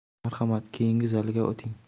marhamat keyingi zalga 'ting